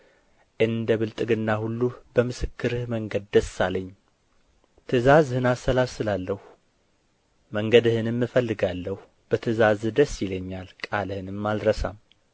እንደ ብልጥግና ሁሉ በምስክርህ መንገድ ደስ አለኝ ትእዛዝህን አሰላስላለሁ መንገድህንም እፈልጋለሁ በትእዛዝህ ደስ ይለኛል ቃልህንም አልረሳም